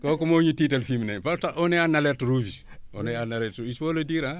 kooku moo ñu tiital fii mu ne ba tax on est en alerte rouge on est en alerte rouge il faut le dire ah